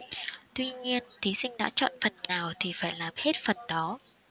tuy nhiên thí sinh đã chọn phần nào thì phải làm hết phần đó